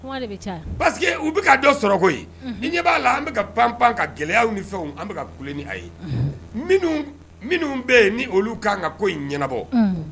U dɔ sɔrɔ ni ɲɛ b'a la an bɛ ka pan pan ka gɛlɛya ni fɛn an ku ni a ye minnu bɛ yen ni olu ka kan ka ko ɲɛnabɔ